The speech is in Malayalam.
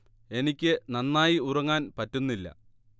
എനിക്ക് നന്നായി ഉറങ്ങാൻ പറ്റുന്നില്ല